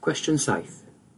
Cwestiwn saith: